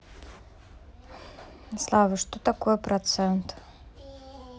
слава что такое процент